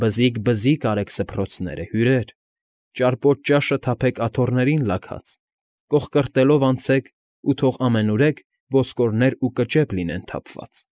Բզիկ֊բզիկ արեք սփռոցները, հյուրեր, Ճարպոտ ճաշը թափեք աթոռներին լաքած, Կոխորտելով անցեք, ու թող ամենուրեք Ոսկորներ ու կճեպ լինեն թափված։